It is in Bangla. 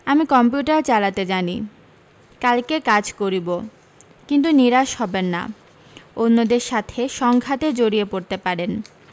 আমি কম্পিউটার চালাতে জানি কালকে কাজ করিব কিন্তু নিরাশ হবেন না অন্যদের সাথে সংঘাতে জড়িয়ে পড়তে পারেন